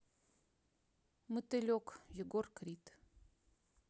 мотылек егор крид